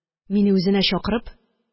Мине үзенә чакырып